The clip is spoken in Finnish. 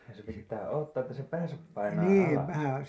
ja se pitää odottaa että se päänsä painaa alas